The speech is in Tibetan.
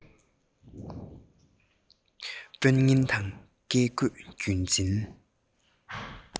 དཔོན ངན དང བཀས བཀོད རྒྱུད འཛིན